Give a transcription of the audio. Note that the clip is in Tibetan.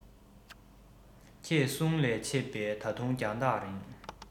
ཁྱེད གསུང ལས མཆེད པའི ད དུང རྒྱང ཐག རིང